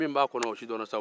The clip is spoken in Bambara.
min b'a kɔnɔ o sidɔnna sa o